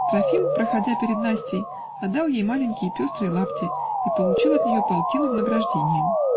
Трофим, проходя перед Настей, отдал ей маленькие пестрые лапти и получил от нее полтину в награждение.